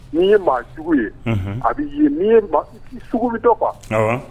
Ni ye maajugu ye a bɛ ye sugu bɛ dɔ kuwa